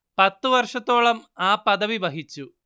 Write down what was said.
പത്തു വർഷത്തോളം ആ പദവി വഹിച്ചു